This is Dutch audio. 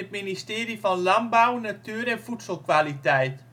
Ministerie van Landbouw, Natuur en Voedselkwaliteit